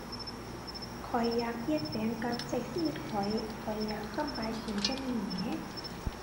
ข้อยอยากเปลี่ยนแปลงการใช้ชีวิตข้อย ข้อยอยากสำบายขึ้นกว่านี้แหม